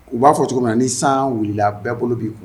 U b'a fɔ cogomin na ni saan wilila bɛɛ bolo b'i ku